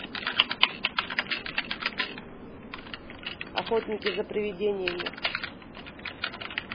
охотники за привидениями